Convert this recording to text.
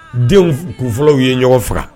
Denw kunfɔlɔw ye ɲɔgɔn faga